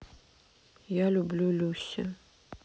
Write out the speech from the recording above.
я люблю люси